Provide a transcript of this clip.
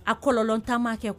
A kɔlɔn tanma kɛ